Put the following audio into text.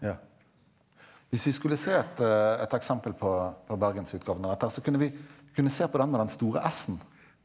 ja hvis vi skulle se et et eksempel på på bergensutgaven av dette her så kunne vi kunne se på den med den store S-en.